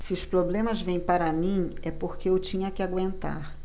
se os problemas vêm para mim é porque eu tinha que aguentar